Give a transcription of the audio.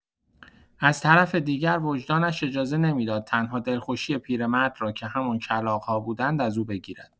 از طرف دیگر وجدانش اجازه نمی‌داد تنها دلخوشی پیرمرد را که همان کلاغ‌ها بودند، از او بگیرد.